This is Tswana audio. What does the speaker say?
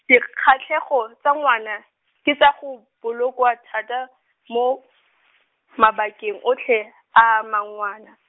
dikgatlhegelo tsa ngwana, ke tsa go, botlhokwa thata mo, mabakeng otlhe a a amang ngwana.